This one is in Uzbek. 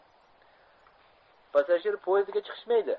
passajir poyozdiga chiqishmaydi